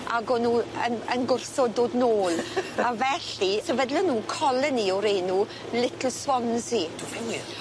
ag o'n nw yn yn gwrthod dod nôl a felly sefydlon nw coloni o'r enw Little Swansea. Do fe wir?